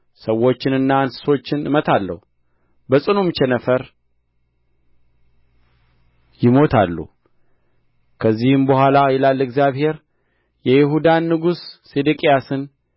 ሰዎችንና እንስሶችን እመታለሁ በጽኑም ቸነፈር ይሞታሉ ከዚህ በኋላ ይላል እግዚአብሔር የይሁዳን ንጉሥ ሴዴቅያስን